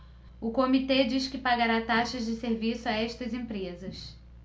o comitê diz que pagará taxas de serviço a estas empresas